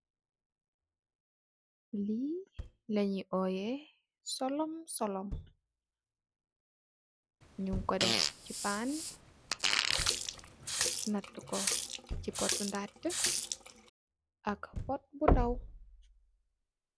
Li la ñii óyeh solomsolom, niñ ko dèf ci pan natt ko ci potu ndati ak put bu ndow.